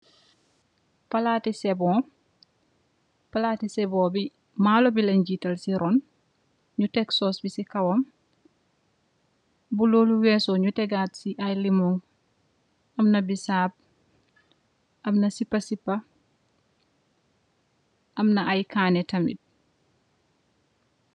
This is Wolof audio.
Plati sebon, plati sebon bi malo bi len daf si ron nyu teg soos bi si kawam bu lolu weso nyu teg si ay lemo, amna bisap, amna sipasipa, amna ay kaane tamit